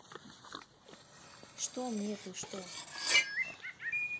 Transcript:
что мне ты что